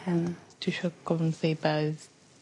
Yym dwi isio gofyn wthi be' oedd